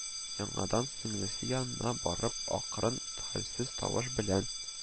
Яңадан сеңлесе янына барып акрын, хәлсез тавыш белән: